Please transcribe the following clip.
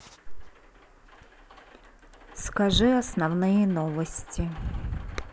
скажи основные новости